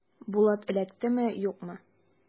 Булат эләктеме, юкмы?